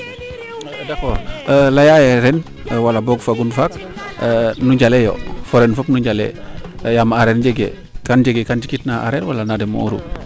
d' accord leya ye renwala wagun faan nu njaleeyo fo ren fo nu njale yaam areer jegee kan njikit na a areer wala na demo'ooru